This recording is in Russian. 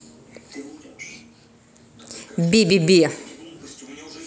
бебебе